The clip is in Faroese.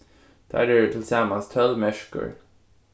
teir eru tilsamans tólv merkur